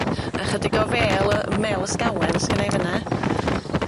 A chydig o fel yy mel ysgawen sy gynnai fyn 'na.